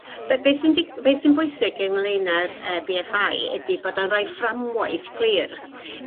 Be' be' sy'n di- be' sy'n bwysig ynglŷn â'r yy Bee EffI ydi bod o'n roi fframwaith clir